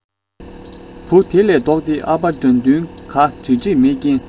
བུ ལས ལྡོག སྟེ ཨ ཕ དགྲ འདུལ ག བྲེལ འདྲིས མེད རྐྱེན